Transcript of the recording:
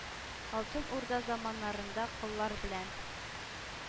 Алтын Урда заманнарында коллар белән